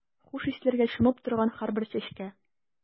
Хуш исләргә чумып торган һәрбер чәчкә.